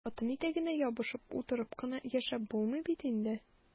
Хатын итәгенә ябышып утырып кына яшәп булмый бит инде!